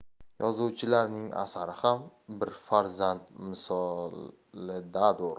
yozuvchilarning asari ham bir farzand misolidadur